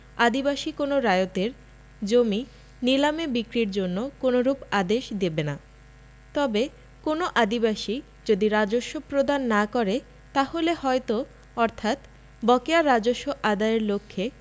আদিবাসী কোন রায়তের জমি নিলামে বিক্রয়ের জন্য কোনরূপ আদেশ দেবেনা তবে কোনও আদিবাসী যদি রাজস্ব প্রদান না করে তাহলে হয়ত অর্থাৎ বকেয়া রাজস্ব আদয়ের লক্ষে